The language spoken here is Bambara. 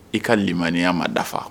I ka maniiya ma dafa